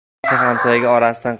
yaxshi hamsoya orasidan